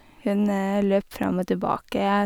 Hun løp frem og tilbake.